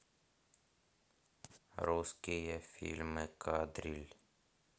русские фильмы кадриль